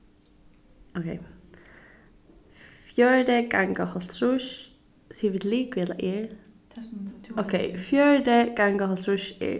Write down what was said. ókey fjøruti ganga hálvtrýss siga vit ligvið ella er ókey fjøruti ganga hálvtrýss er